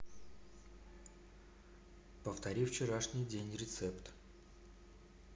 повтори вчерашний день рецепт